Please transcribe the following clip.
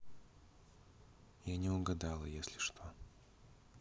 я не угадала если что